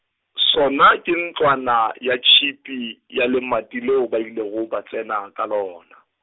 sona ke ntlwana ya tšhipi, ya lemati leo ba ilego ba tsena ka lona.